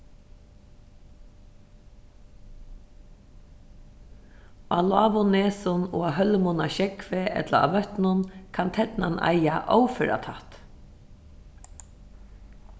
á lágum nesum og á hólmum á sjógvi ella á vøtnum kann ternan eiga óføra tætt